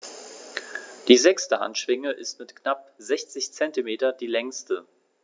Die sechste Handschwinge ist mit knapp 60 cm die längste.